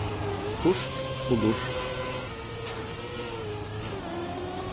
turt og lurt